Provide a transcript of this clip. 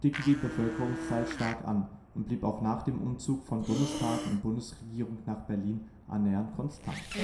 die Bevölkerungszahl stark an und blieb auch nach dem Umzug von Bundestag und Bundesregierung nach Berlin annähernd konstant